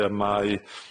a mae,